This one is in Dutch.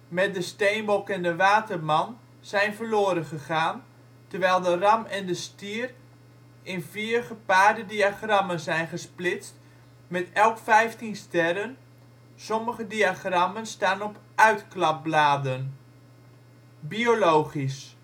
met de Steenbok en de Waterman) zijn verloren gegaan, terwijl de Ram en de Stier in vier gepaarde diagrammen zijn gesplitst, met elk vijftien sterren. Sommige diagrammen staan op uitklapbladen. Biologisch